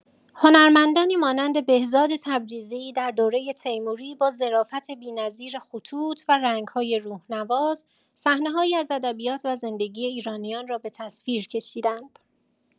هنرمندانی مانند بهزاد تبریزی در دوره تیموری با ظرافت بی‌نظیر خطوط و رنگ‌های روح‌نواز، صحنه‌هایی از ادبیات و زندگی ایرانیان را به تصویر کشیدند.